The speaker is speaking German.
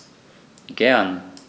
Gern.